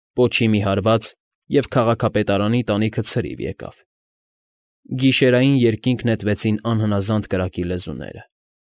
Պոչի մի հարված, և քաղաքապետարանի տանիքը ցրիվ եկավ, գիշերային երկինք նետվեցին անհնազանդ կրակի լեզուները։